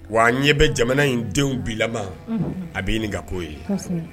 Wa an ɲɛ bɛ jamana in denw bi lamɔ a bɛ ɲininka ka koo ye